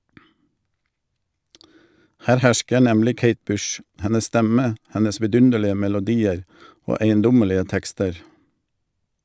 Her hersker nemlig Kate Bush, hennes stemme, hennes vidunderlige melodier og eiendommelige tekster.